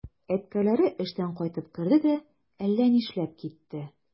Әткәләре эштән кайтып керде дә әллә нишләп китте.